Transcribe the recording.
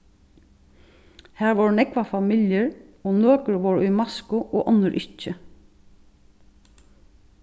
har vóru nógvar familjur og nøkur vóru í masku og onnur ikki